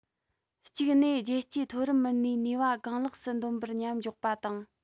གཅིག ནས རྒྱལ གཅེས མཐོ རིམ མི སྣའི ནུས པ གང ལེགས སུ འདོན པར མཉམ འཇོག པ དང